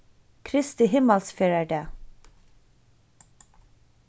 kristi himmalsferðardag